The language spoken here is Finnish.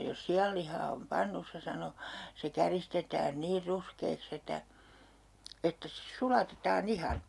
jos sianlihaa on pannussa sanoi se käristetään niin ruskeaksi että että se sulatetaan ihan